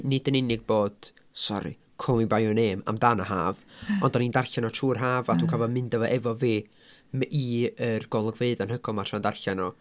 Nid yn unig bod, sori, Call me by your name amdan yr haf... ia ...ond o'n i'n darllen o trwy'r haf... ie ...a dwi'n cofio mynd â fo efo fi m- i yr golygfeydd anhygoel yma tra'n darllen o.